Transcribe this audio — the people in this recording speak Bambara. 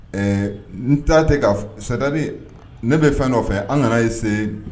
Ɛɛ n t taa tɛ ka sadari ne bɛ fɛn dɔ nɔfɛ an nana ye se